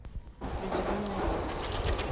определенно есть